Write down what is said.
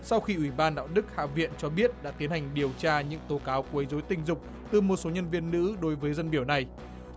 sau khi ủy ban đạo đức hạ viện cho biết đã tiến hành điều tra những tố cáo quấy rối tình dục từ một số nhân viên nữ đối với dân biểu này